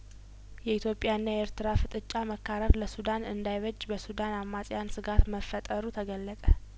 የኢትዮጵያና የኤርትራ ፍጥጫ መካረር ለሱዳን እንዳይበጅ በሱዳን አማጺያን ስጋት መፈጠሩ ተገለጠ